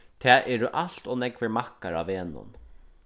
tað eru alt ov nógvir maðkar á vegnum